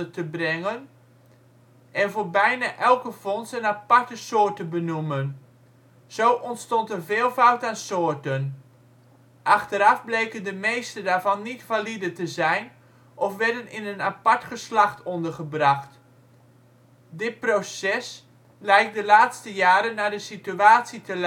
te brengen en voor bijna elke vondst een aparte soort te benoemen; zo ontstond een veelvoud aan soorten. Achteraf bleken de meeste daarvan niet valide te zijn of werden in een apart geslacht ondergebracht. Dit proces lijkt de laatste jaren naar de situatie te leiden